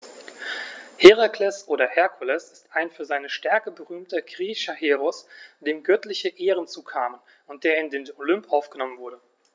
Herakles oder Herkules ist ein für seine Stärke berühmter griechischer Heros, dem göttliche Ehren zukamen und der in den Olymp aufgenommen wurde.